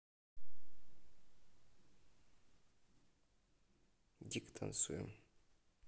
дико танцуем